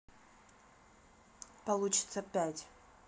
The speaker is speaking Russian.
получится пять